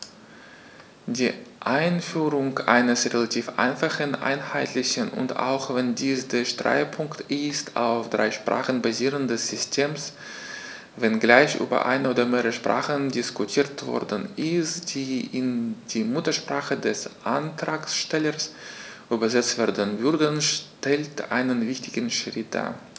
Die Einführung eines relativ einfachen, einheitlichen und - auch wenn dies der Streitpunkt ist - auf drei Sprachen basierenden Systems, wenngleich über eine oder mehrere Sprachen diskutiert worden ist, die in die Muttersprache des Antragstellers übersetzt werden würden, stellt einen wichtigen Schritt dar.